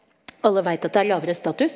alle veit at det er lavere status.